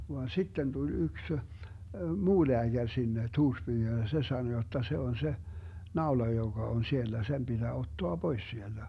vaan sitten tuli yksi muu lääkäri sinne Tuurspyyhyn ja se sanoi jotta se on se naula joka on siellä sen pitää ottaa pois sieltä